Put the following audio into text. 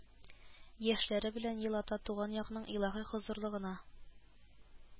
Яшьләре белән елата, туган якның илаһи хозурлыгына